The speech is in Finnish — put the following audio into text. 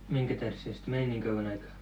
minkä tähden siellä sitten meni niin kauan aikaa